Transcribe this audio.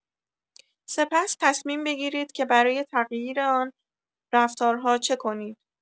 سپس، تصمیم بگیرید که برای تغییر آن رفتارها چه کنید.